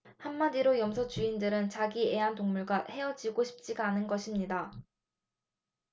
한마디로 염소 주인들은 자기 애완동물과 헤어지고 싶지가 않은 것입니다